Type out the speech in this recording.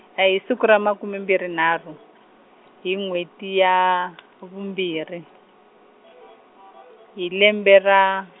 ha hi siku ra makume mbirhi nharhu, hi n'wheti ya va- vumbirhi, hi lembe ra.